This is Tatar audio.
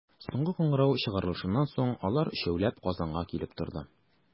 Соңгы кыңгырау чыгарылышыннан соң, алар, өчәүләп, Казанга килеп торды.